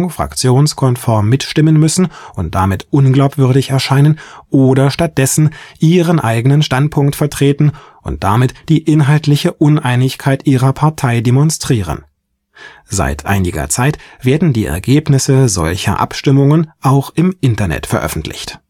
fraktionskonform mitstimmen müssen und damit unglaubwürdig erscheinen oder stattdessen ihren eigenen Standpunkt vertreten und damit die inhaltliche Uneinigkeit ihrer Partei demonstrieren. Seit einiger Zeit werden die Ergebnisse solcher Abstimmungen auch im Internet veröffentlicht